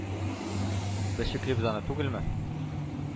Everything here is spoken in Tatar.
Без чиклибез аны түгелме?!